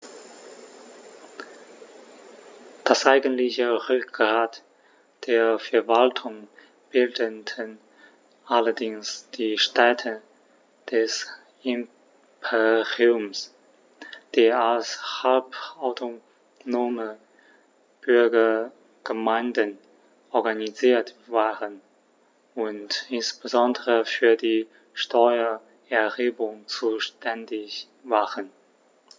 Das eigentliche Rückgrat der Verwaltung bildeten allerdings die Städte des Imperiums, die als halbautonome Bürgergemeinden organisiert waren und insbesondere für die Steuererhebung zuständig waren.